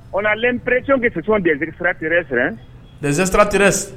On a l'impression que ce sont des extraterrestres . Des extraterrestres _.